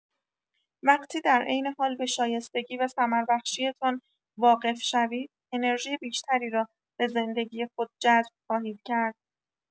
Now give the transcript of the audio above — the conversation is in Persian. وقتی در عین حال به شایستگی و ثمربخشی‌تان واقف شوید، انرژی بیشتری را به زندگی خود جذب خواهید کرد.